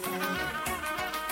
San